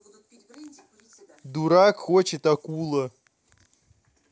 дурак хочет акула